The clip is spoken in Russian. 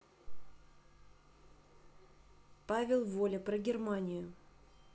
павел воля про германию